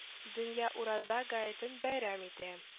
Дөнья Ураза гаетен бәйрәм итә